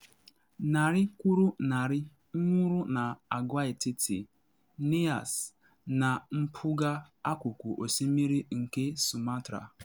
Narị kwụrụ narị nwụrụ na Agwaetiti Nias, na mpụga akụkụ osimiri nke Sumatra.